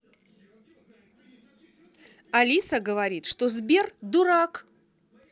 алиса говорит что сбер дурак